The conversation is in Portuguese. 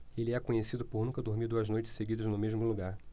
ele é conhecido por nunca dormir duas noites seguidas no mesmo lugar